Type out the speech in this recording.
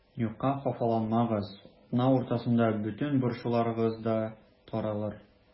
Юкка хафаланмагыз, атна уртасында бөтен борчуларыгыз да таралыр.